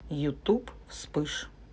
ютуб вспыш